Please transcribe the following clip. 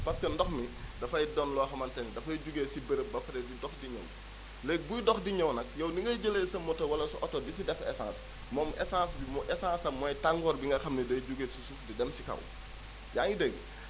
parce que ndox mi dafay doon loo xamante ni dafay jógee si béréb ba pare di dox di ñëw léegi buy dox di ñëw nag yow ni ngay jëlee sa moto wala sa oto di si des essence moom essence bi essence am mooy tàngoor bi ngay xam ne day jógee si suuf di dem si kaw yaa ngi dégg